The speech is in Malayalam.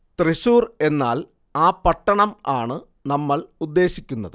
തൃശ്ശൂർ എന്നാൽ ആ പട്ടണം ആണ് നമ്മൾ ഉദ്ദേശിക്കുന്നത്